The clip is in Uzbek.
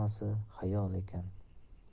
xammaso xayol ekan